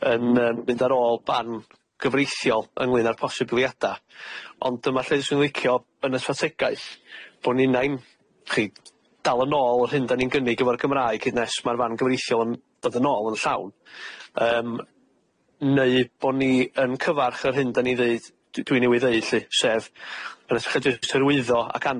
yn yym mynd ar ôl barn gyfreithiol ynglyn â'r posibiliada ond dyma lle 'swn i'n licio yn y strategaeth bo ni unai'n, 'chi, dal yn ôl yr hyn 'dan ni'n gynnig efo'r Gymraeg hyd nes ma'r farn gyfreithiol yn dod yn ôl yn llawn yym neu bo ni yn cyfarch yr hyn 'dan ni'n ddeud d- dwi newydd ddeud lly sef yn hyrwyddo ac an-